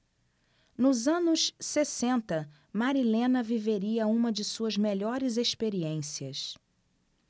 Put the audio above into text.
nos anos sessenta marilena viveria uma de suas melhores experiências